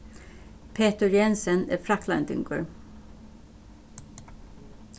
petur jensen er fraklendingur